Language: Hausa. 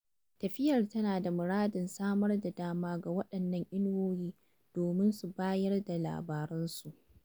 Tafiyar tana da muradin samar da dama ga waɗannan inuwoyin domin su bayar da labaransu.